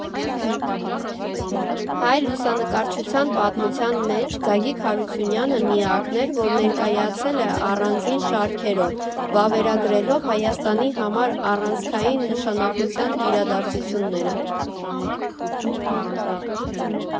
Հայ լուսանկարչության պատմության մեջ Գագիկ Հարությույանը միակն էր, որ ներկայացել է առանձին շարքերով՝ վավերագրելով Հայաստանի համար առանցքային նշանակության իրադարձությունները։